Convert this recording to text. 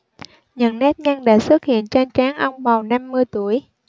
những nếp nhăn đã xuất hiện trên trán ông bầu năm mươi tuổi